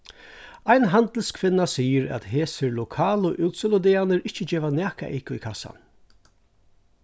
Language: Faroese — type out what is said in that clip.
ein handilskvinna sigur at hesir lokalu útsøludagarnir ikki geva nakað eyka í kassan